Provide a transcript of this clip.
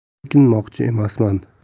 chekinmoqchi emasman